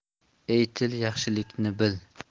ey til yaxshilikni bil